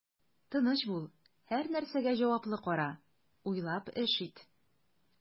Тыныч бул, һәрнәрсәгә җаваплы кара, уйлап эш ит.